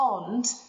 ond